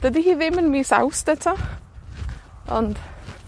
Dydi hi ddim yn mis Awst eto, ond